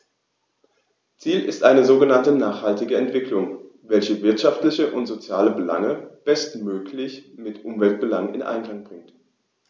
Ziel ist eine sogenannte nachhaltige Entwicklung, welche wirtschaftliche und soziale Belange bestmöglich mit Umweltbelangen in Einklang bringt.